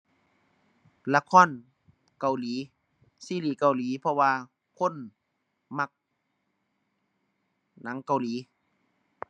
ละครเกาหลี ซีรีส์เกาหลี เพราะว่าคนมักหนังเกาหลี